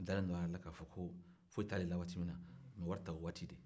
a dalen don a yɛrɛ la ka fɔ ko foyi t'ale la waatimin na a bɛ wari ta o waati de